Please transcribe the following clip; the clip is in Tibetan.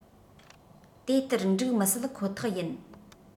དེ ལྟར འགྲིག མི སྲིད ཁོ ཐག ཡིན